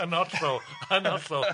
Yn hollol, yn hollol.